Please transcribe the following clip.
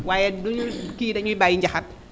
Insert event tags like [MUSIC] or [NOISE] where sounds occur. waaye duñu [COUGHS] kii dañuy bàyyi Ndiakhare